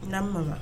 N'an maga